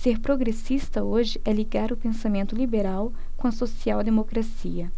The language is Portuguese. ser progressista hoje é ligar o pensamento liberal com a social democracia